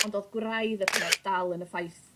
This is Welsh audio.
ond odd gwraidd y peth dal yn y ffaith